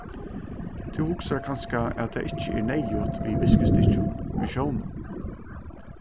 tú hugsar kanska at tað ikki er neyðugt við viskustykkjum í sjónum